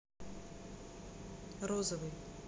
розовый